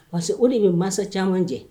Parce que o de bɛ mansa caman jɛ